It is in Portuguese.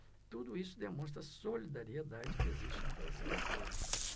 tudo isso demonstra a solidariedade que existe no coração do povo